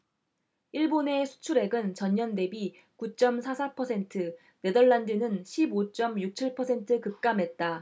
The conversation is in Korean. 일본의 수출액은 전년대비 구 쩜 사 사 퍼센트 네덜란드는 십 오 쩜 육 칠 퍼센트 급감했다